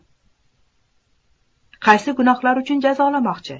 qaysi gunohlari uchun jazolamoqchi